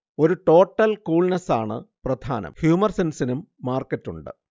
ഒരു ടോട്ടൽ കൂൾനെസ്സാണ് പ്രധാനം ഹ്യുമർെസൻസിനും മാർക്കറ്റുണ്ട്